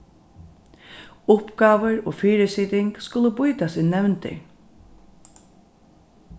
uppgávur og fyrisiting skulu býtast í nevndir